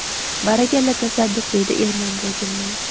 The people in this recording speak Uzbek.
barakalla tasadduq deydi ermon buva jilmayib